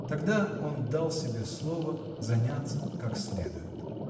тогда он дал себе слово заняться как следует.